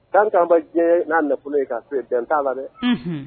Tari anba diɲɛ ye n'a nafolo ye k'a bɛn t'a la dɛ